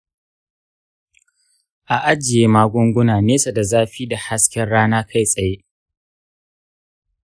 a ajiye magunguna nesa da zafi da hasken rana kai tsaye.